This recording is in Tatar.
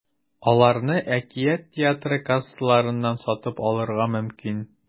Аларны “Әкият” театры кассаларыннан сатып алырга мөмкин.